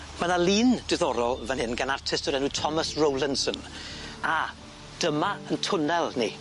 Ma' 'na lun diddorol fan hyn gan artist o'r enw Thomas Rowlinson a dyma 'yn twnnel ni.